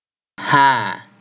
ห้า